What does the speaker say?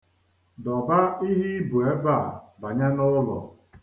Dọbaa ihe i bu ebe a banye n'ụlọ!